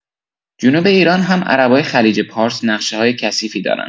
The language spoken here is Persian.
جنوب ایران هم عربای خلیج پارس نقشه‌های کثیفی دارن